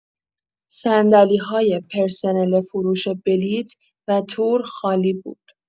صندلی‌های پرسنل فروش بلیت و تور خالی بود.